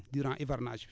durant hivernage bi